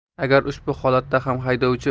agar ushbu holatda ham haydovchi